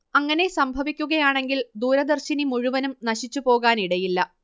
അങ്ങനെ സംഭവിക്കുകയാണെങ്കിൽ ദൂരദർശിനി മുഴുവനും നശിച്ചുപോകാനിടയില്ല